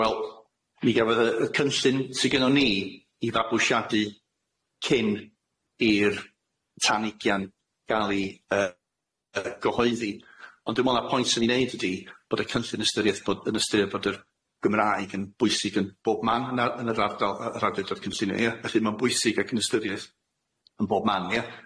Wel mi gafodd y y cynllun sy gynnon ni i fabwysiadu cyn i'r tanugian ga'l i yy yy gyhoeddi ond dwi me'wl na'r pwynt swn i'n neud ydi bod y cynllun ystyriaeth bod yn ystyr fod yr Gymraeg yn bwysig yn bob man yn ar- yn yr ardal yy yr awdurdod cynllunio ie? Felly ma'n bwysig ac yn ystyriaeth yn bob man ie?